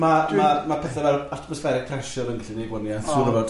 Ma' ma' ma' pethe fel atmospheric pressure yn gallu neud gwanieth, siŵr o fod.